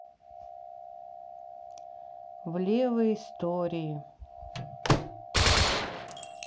влево истории